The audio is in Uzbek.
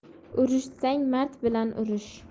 urishsang mard bilan urish